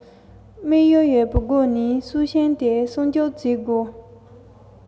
དེའང གསལ པོ བཤད ན ད ལྟ ཚང མས མོས མཐུན བྱས པའི བློ ཐུན ཅང ཙེ མིང རེད